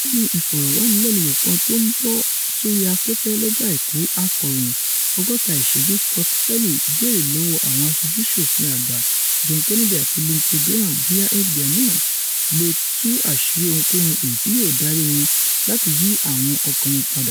Nínu ìfọ̀rọ̀wánilẹnuwò kan tó ń bọ́ sórí afẹ́fẹ́ lọ́jọ́ Àìkú, akọ̀ròyìn ''Ọgọ́ta Ìṣẹ́jú Scott Pelley béèrè lọ́wọ́ Àwọn Aṣojú-ṣòfin Àgbà John Kennedy àti Lindsey Graham bóyá FBI náà leè tú àṣírí ohunkóhun èyití yóò darí wọn láti yí àwọn ọ̀kan wọn padà.